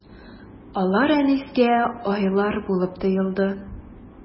Алар Әнискә айлар булып тоелды.